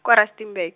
kwa Rustenburg.